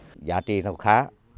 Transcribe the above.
giá trị thật khá